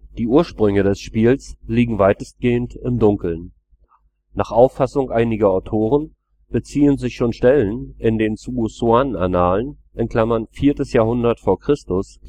Die Ursprünge des Spiels liegen weitestgehend im Dunkeln. Nach Auffassung einiger Autoren beziehen sich schon Stellen in den Zuozhuan-Annalen (4. Jahrh. v. Chr.